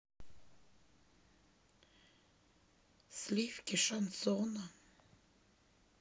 сливки шансона